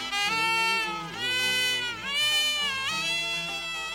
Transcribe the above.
San wa